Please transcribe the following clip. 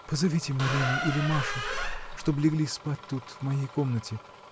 — Позовите Марину или Машу, чтоб легли спать тут в моей комнате.